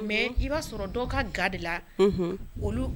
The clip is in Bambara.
I b'a sɔrɔ ka